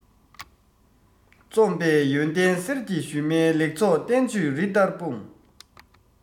རྩོམ པས ཡོན ཏན གསེར གྱི ཞུན མའི ལེགས ཚོགས བསྟན བཅོས རི ལྟར སྤུངས